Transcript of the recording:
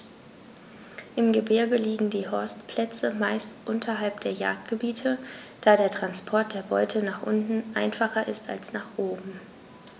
Im Gebirge liegen die Horstplätze meist unterhalb der Jagdgebiete, da der Transport der Beute nach unten einfacher ist als nach oben.